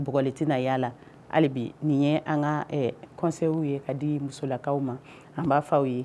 Bugɔli tɛna y'a la. Hali bi nin ye an ka conseils ye ka di musolakaw man. An b'a fɔ aw ye.